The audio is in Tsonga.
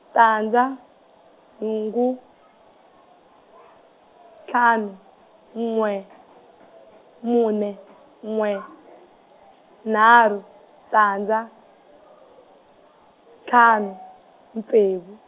tandza, nhungu , ntlhanu, n'we , mune, n'we, nharhu, tandza, ntlhanu, ntsevu.